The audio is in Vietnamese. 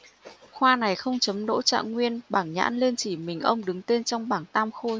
khoa này không chấm đỗ trạng nguyên bảng nhãn nên chỉ mình ông đứng tên trong bảng tam khôi